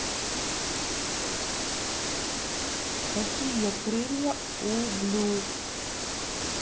какие крылья у blue